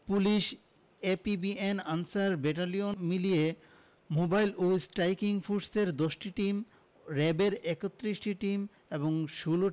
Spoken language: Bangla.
পুলিশ এপিবিএন আনসার ব্যাটালিয়ন মিলিয়ে মোবাইল ও স্ট্রাইকিং ফোর্সের ১০টি টিম র্যা বের ৩১টি টিম এবং ১৬